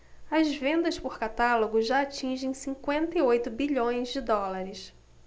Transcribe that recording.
as vendas por catálogo já atingem cinquenta e oito bilhões de dólares